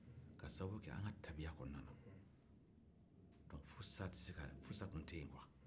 k'a sabu kɛ an ka tabiya kɔnɔna na furusa tɛ se ka furusa tun tɛ yen